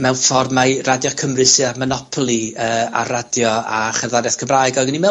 mewn ffor mai Radio Cymru sydd â'r mynopoli yy ar radio a cherddoriaeth Cymraeg. Oeddwn i'n me'wl